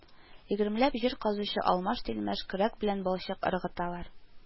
Егермеләп җир казучы алмаш-тилмәш көрәк белән балчык ыргыталар